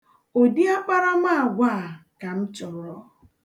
Ụdị akparamaagwa a ka m chọrọ.